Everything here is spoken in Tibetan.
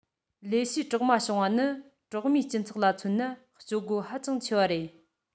ལས བྱེད གྲོག མ བྱུང བ ནི གྲོག མའི སྤྱི ཚོགས ལ མཚོན ན སྤྱོད སྒོ ཧ ཅང ཆེ བ རེད